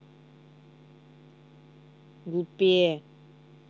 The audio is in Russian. глупее